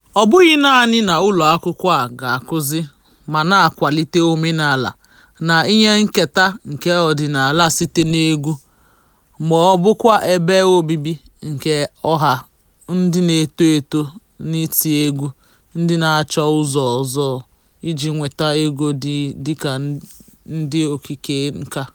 Ọ bụghị naanị na ụlọakwụkwọ a na-akụzi ma na-akwalite omenaala na ihe nketa nke ọdịnala site n'egwu, ma ọ bụkwa ebe obibi nke ọha ndị na-eto eto n'iti egwu ndị na-achọ ụzọ ọzọ iji nweta ego dị ka ndị okike nkà.